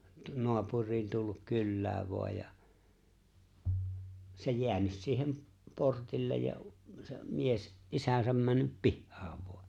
naapuriin tullut kylään vain ja se jäänyt siihen portille ja se mies isänsä mennyt pihaan vain